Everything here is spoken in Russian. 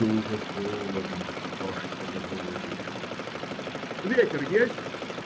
- Дюже холодно, ваше благородие. - Ветер есть?